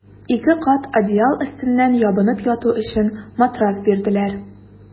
Ике кат одеял өстеннән ябынып яту өчен матрас бирделәр.